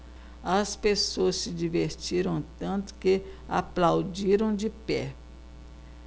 as pessoas se divertiram tanto que aplaudiram de pé